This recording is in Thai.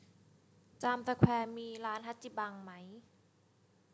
จามสแควร์มีร้านฮาจิบังไหม